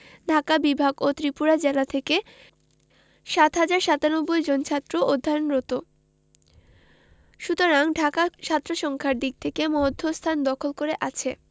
ঢাকা বিভাগ ও ত্রিপুরা জেলা থেকে ৭ হাজার ৯৭ জন ছাত্র অধ্যয়নরত সুতরাং ঢাকা ছাত্রসংখ্যার দিক থেকে মধ্যস্থান দখল করে আছে